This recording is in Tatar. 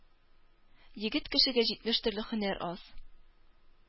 Егет кешегә җитмеш төрле һөнәр аз.